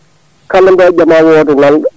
kalade o ƴaama wooda nanɗo